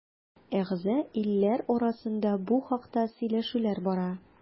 Әгъза илләр арасында бу хакта сөйләшүләр бара.